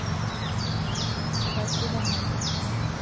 подожди домой